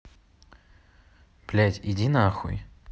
блядь иди нахуй